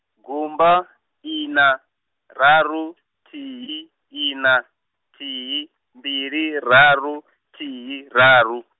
gumba, ina, raru, thihi, ina, thihi, mbili raru, thihi raru.